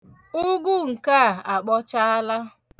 Ụgụ nke a akpọchaala.